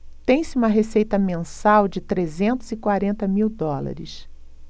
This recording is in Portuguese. tem-se uma receita mensal de trezentos e quarenta mil dólares